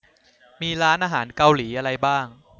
มีร้านอาหารเกาหลีอะไรบ้าง